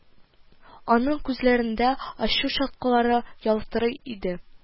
Аның күзләрендә ачу чаткылары ялтырый иде